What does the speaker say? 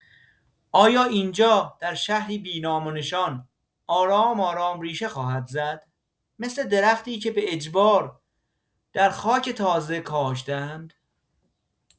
آیا اینجا، در شهری بی‌نام و نشان، آرام‌آرام ریشه خواهد زد، مثل درختی که به اجبار در خاک تازه کاشته‌اند؟